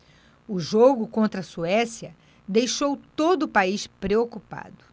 o jogo contra a suécia deixou todo o país preocupado